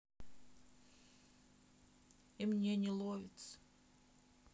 и мне не ловится